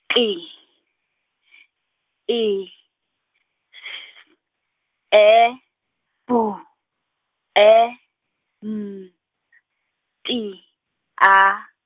T , I, S, E, B, E, N , T, A.